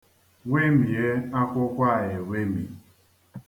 Wemie akwụkwọ a ewemi.